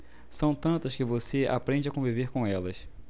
são tantas que você aprende a conviver com elas